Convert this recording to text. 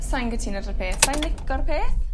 sai'n gytuno 'da'r peth sai'n lico'r peth.